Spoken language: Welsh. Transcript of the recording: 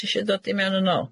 Ti isie dod i mewn yn ôl?